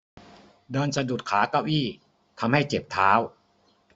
เดินสะดุดขาเก้าอี้ทำให้เจ็บเท้า